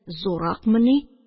Зурракмыни?..